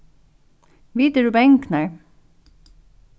vit eru bangnar